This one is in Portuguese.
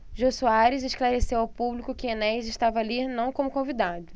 jô soares esclareceu ao público que enéas estava ali não como convidado